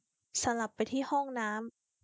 สลับไปที่ห้องน้ำ